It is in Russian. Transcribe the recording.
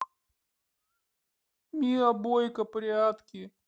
миа бойко прятки